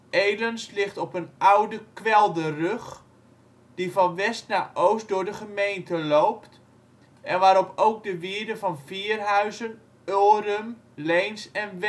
Elens ligt op een oude kwelderrug die van west naar oost door de gemeente loopt, en waarop ook de wierden van Vierhuizen, Ulrum, Leens en